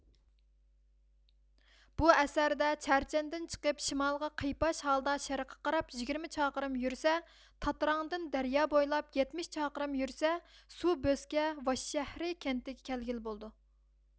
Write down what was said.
بۇ ئەسەردە چەرچەندىن چىقىپ شىمالغان قىيپاش ھالدا شەرققە قاراپ يىگىرمە چاقىرىم يۈرسە تاتراڭدىن دەريا بويلاپ يەتمىش چاقىرىم يۈرسە سۇ بۆسكە ۋاششەھىرى كەنتىگە كەلگىلى بولىدۇ